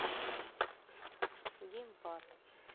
геймпад